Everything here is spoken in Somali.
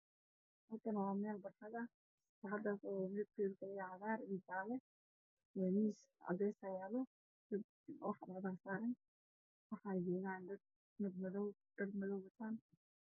Halkaan waa meel barxad ah midabkeedu waa cagaar iyo jaale, bariis cadaan ah ayaa yaalo waxaa joogo dad dhar madow wato.